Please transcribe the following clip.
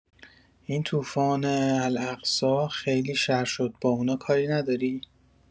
این طوفان الاقصی خیلی شر شد با اونا کاری نداری؟